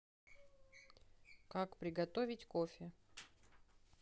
как приготовить кофе